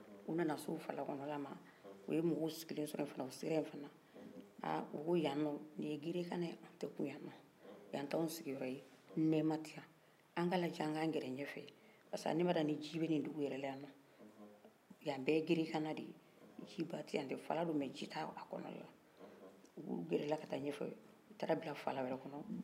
u nana s'o falakɔnɔ na ma u ye mɔgɔ siginlen fana u sera ye fana a u ko yann yan ye gere kana ye dɛ an tɛ kun ya yan t'an sigin yɔrɔ ye an t'a lajɛ kan gɛrɛ ɲɛfɛ parce que ne ma dala ko jii bɛ nin dugu yɛrɛ la yan bɛɛ ye n gere kana de ye ji ta kɔnɔ faara don dɛ nk ji t'a kɔnɔ na u gɛrɛ la ka ta ɲɛnfɛ u taara bila fara wɛrɛ kɔnɔ